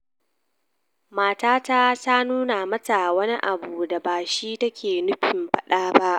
“Matata ta tura ma ta wani abu da bashi take nufin fada ba.